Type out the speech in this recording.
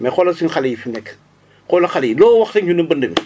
mais xoolal suñu xale yi fi nekk xoolal xale yi loo wax rek ñu ne mbënd mi